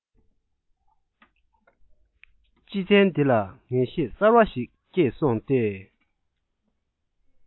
སྤྱི མཚན འདི ལ ངེས ཤེས གསར བ ཞིག སྐྱེས སོང སྟེ